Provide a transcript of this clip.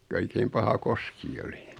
kun oikein paha koski oli